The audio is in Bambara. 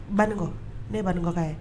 Banikɔ ne ye banikɔ ka ye wa?